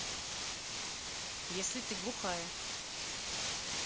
если ты глухая